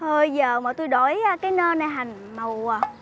thôi giờ mà tôi đổi cái nơ này thành màu